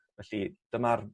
Felly dyma'r